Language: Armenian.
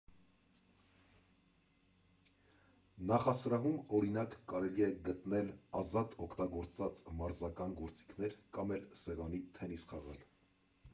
Նախասրահում, օրինակ, կարելի է գտնել ազատ օգտագործամ մարզական գործիքներ կամ էլ սեղանի թենիս խաղալ։